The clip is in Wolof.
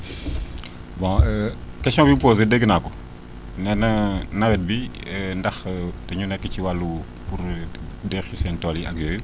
bon question bi mu posé dégg naa ko nee na nawet bi ndax dañu nekk ci wàllu pour deqi seen tool yi ak yooyu